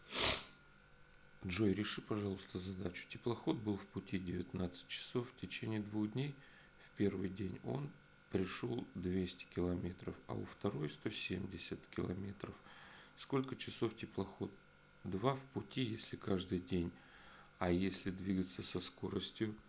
джой реши пожалуйста задачу теплоход был в пути девятнадцать часов в течение двух дней в первый день он пришел двести километров а у второй сто восемьдесят километров сколько часов теплоход два в пути если каждый день а если двигаться со скоростью